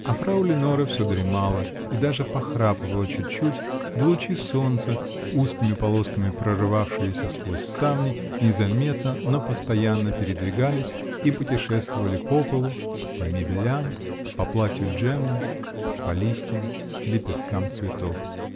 А фрау Леноре все дремала и даже похрапывала чуть-чуть, да лучи солнца, узкими полосками прорывавшиеся сквозь ставни, незаметно, но постоянно передвигались и путешествовали по полу, по мебелям, по платью Джеммы, по листьям и лепесткам цветов.